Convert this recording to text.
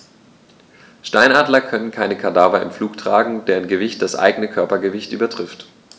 Steinadler können keine Kadaver im Flug tragen, deren Gewicht das eigene Körpergewicht übertrifft.